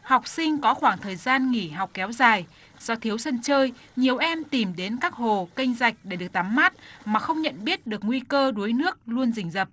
học sinh có khoảng thời gian nghỉ học kéo dài do thiếu sân chơi nhiều em tìm đến các hồ kênh rạch để được tắm mát mà không nhận biết được nguy cơ đuối nước luôn rình rập